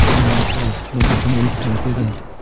On i fi wel dymed bach o mwy 'istory na chdi 'de?